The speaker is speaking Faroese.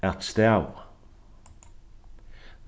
at stava